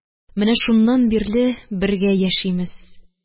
Менә шуннан бирле бергә яшимез.